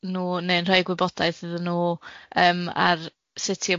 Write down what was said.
nw neu'n rhoi gwybodaeth iddyn nw yym ar sut i